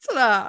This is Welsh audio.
Tara!